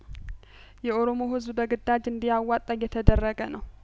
የኦሮሞ ህዝብ በግዳጅ እንዲ ያዋጣ እየተደረገ ነው